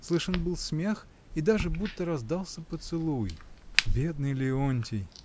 Слышен был смех, и даже будто раздался поцелуй. — Бедный Леонтий!